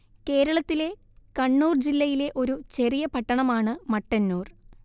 കേരളത്തിലെ കണ്ണൂര്‍ ജില്ലയിലെ ഒരു ചെറിയ പട്ടണമാണ് മട്ടന്നൂര്‍